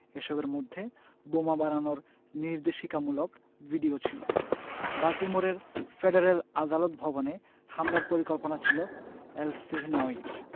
এসবের মধ্যে বোমা বানানোর নির্দেশিকামূলক ভিডিও ছিল বাল্টিমোরের ফেডারেল আদালত ভবনে হামলার পরিকল্পনা ছিল এলসহিনাউয়ির